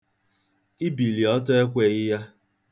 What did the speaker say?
Ibili ọtọ ekweghị ya.